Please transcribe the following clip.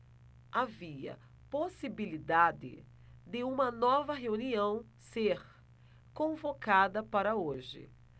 havia possibilidade de uma nova reunião ser convocada para hoje